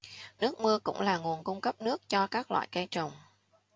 nước mưa cũng là nguồn cung cấp nước cho các loại cây trồng